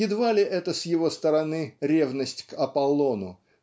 Едва ли это с его стороны ревность к Аполлону